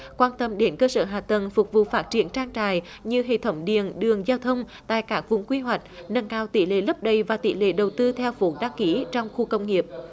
quan tâm đến cơ sở hạ tầng phục vụ phát triển trang trại như hệ thống điện đường giao thông tại các vùng quy hoạch nâng cao tỷ lệ lấp đầy và tỷ lệ đầu tư theo vốn đăng ký trong khu công nghiệp